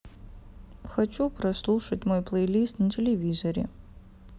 хочу прослушать мой плейлист на телевизоре